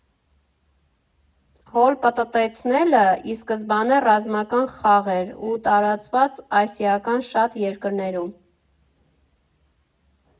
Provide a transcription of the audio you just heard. Հոլ պտտեցնելն ի սկզբանե ռազմական խաղ էր ու տարածված ասիական շատ երկրներում։